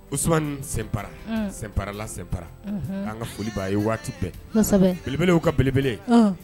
Os sen para sen parala sen para k'an ka foliba a ye waati bɛɛ belew ka belebele